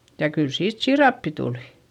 ja kyllä siitä siirappia tuli